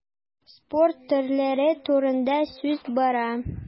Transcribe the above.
Спорт төрләре турында сүз бара.